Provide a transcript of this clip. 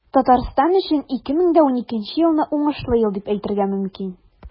Татарстан өчен 2012 елны уңышлы ел дип әйтергә мөмкин.